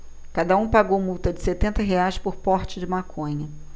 cada um pagou multa de setenta reais por porte de maconha